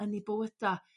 yn 'u bywyda.